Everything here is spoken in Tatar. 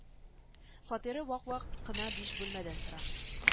Фатиры вак-вак кына биш бүлмәдән тора